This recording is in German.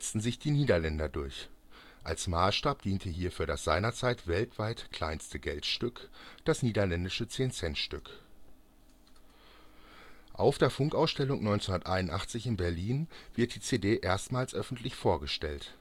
sich die Niederländer durch. Als Maßstab diente hierfür das seinerzeit weltweit kleinste Geldstück, das niederländische 10-Cent-Stück (das so genannte " Dubbeltje "). Auf der Funkausstellung 1981 in Berlin wird die CD erstmals öffentlich vorgestellt